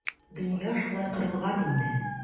Дөнья шулай корылган инде.